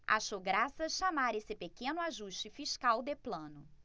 acho graça chamar esse pequeno ajuste fiscal de plano